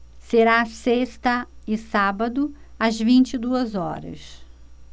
será sexta e sábado às vinte e duas horas